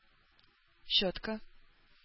Щетка